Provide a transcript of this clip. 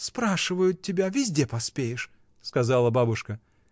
Спрашивают тебя: везде поспеешь! — сказала бабушка.